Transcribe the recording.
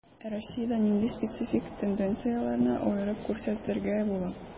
Ә Россиядә нинди специфик тенденцияләрне аерып күрсәтергә була?